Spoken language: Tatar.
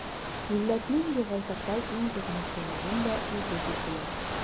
Милләтнең югалтырдай иң зур нәрсәсен дә үзе дип белә.